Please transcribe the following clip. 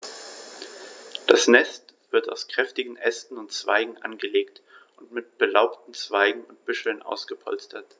Das Nest wird aus kräftigen Ästen und Zweigen angelegt und mit belaubten Zweigen und Büscheln ausgepolstert.